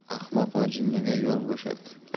ahmoq va jinniga yo'l bo'shat